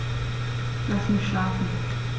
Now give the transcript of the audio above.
Lass mich schlafen